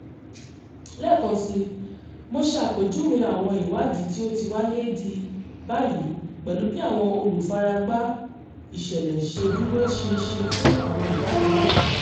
Lẹ́ẹ̀kansi, mo ṣe àpèjúwe àwọn ìwádìí tí ó ti wáyé di báyìí pẹ̀lú bí àwọn olùfaragbá ìṣẹ̀lẹ̀ ṣe dúró ṣinṣin fún àwọn ìwádìí wọ̀nyẹn.